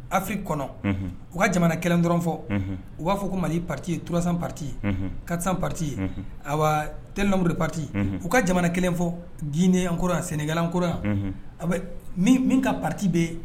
Afi kɔnɔ u ka jamana kelen dɔrɔn fɔ u b'a fɔ ko mali patiurasan patiye karisasan pati a tinabururi pati u ka jamana kelen fɔ dinɛ ko senkakoyan bɛ min ka pati bɛ yen